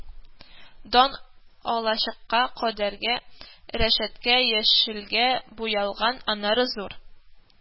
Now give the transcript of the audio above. Дан алачыкка кадәрге рәшәткә яшелгә буялган, аннары зур